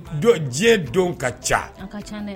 Don diɲɛ don ka ca